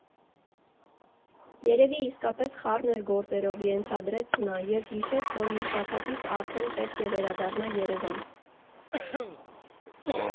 Երևի իսկապես խառն էր գործերով, ենթադրեց նա և հիշեց, որ մի շաբաթից արդեն պետք է վերադառնա Երևան։